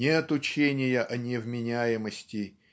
нет учения о невменяемости